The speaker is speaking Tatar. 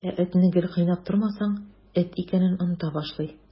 Ә этне гел кыйнап тормасаң, эт икәнен оныта башлый.